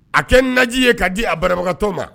A kɛ naji ye k'a di a banabagatɔ ma